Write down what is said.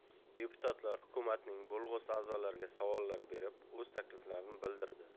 deputatlar hukumatning bo'lg'usi a'zolariga savollar berib o'z takliflarini bildirdi